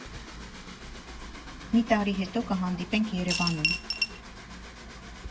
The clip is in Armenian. ՄԻ ՏԱՐԻ ՀԵՏՈ ԿՀԱՆԴԻՊԵՆՔ ԵՐԵՎԱՆՈՒՄ։